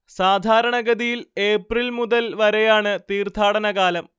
സാധാരണ ഗതിയിൽ ഏപ്രിൽ മുതൽ വരെയാണ് തീർത്ഥാടന കാലം